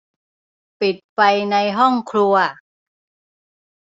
ปิดไฟในห้องครัว